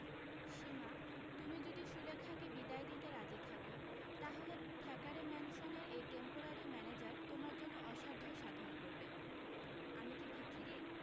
সীমা তুমি যদি সুলেখাকে বিদায় দিতে রাজি থাকো তাহলে থ্যাকারে ম্যানসনের এই টেমপোরারি ম্যানেজার তোমার জন্য অসাধ্য সাধন করবে আমি কী ভিখিরি